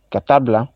Ka taa bila